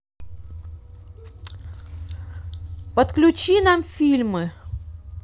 подключи нам фильмы